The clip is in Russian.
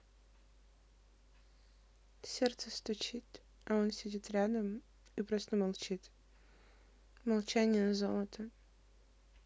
а сердце стучит а он сидит рядом и просто молчит молчание золото